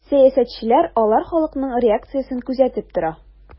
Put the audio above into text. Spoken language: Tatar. Сәясәтчеләр алар халыкның реакциясен күзәтеп тора.